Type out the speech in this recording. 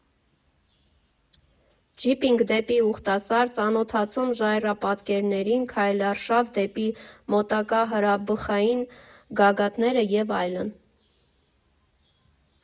Ջիփինգ դեպի Ուխտասար, ծանոթացում ժայռապատկերներին, քայլարշավ դեպի մոտակա հրաբխային գագաթները և այլն։